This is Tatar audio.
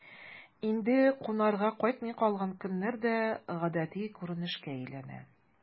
Инде кунарга кайтмый калган көннәр дә гадәти күренешкә әйләнә...